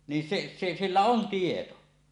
niin se se sillä on tieto